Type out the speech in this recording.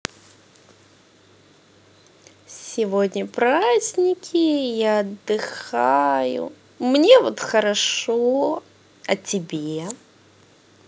сегодня праздники я отдыхаю мне вот хорошо а тебе